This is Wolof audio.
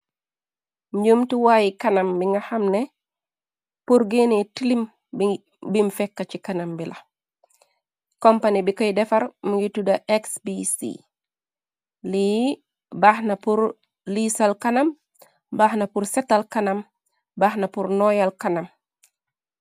Njemtuwaayi kanam bi nga xamne pur gene tilim bim fekk ci kanam bi la, kompani bi koy defar mungi tuda XPC, lii baaxna pur liisal kanam, baxna pur setal kanam, baxna pur noyal kanam.